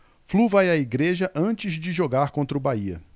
flu vai à igreja antes de jogar contra o bahia